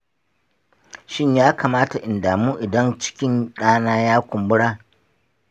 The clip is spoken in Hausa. shin ya kamata in damu idan cikin ɗana ya kumbura?